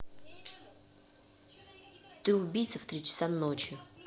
ты убийца в три часа ночи